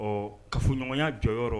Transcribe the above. Ɔ kafoɲɔgɔnya jɔyɔrɔ yɔrɔ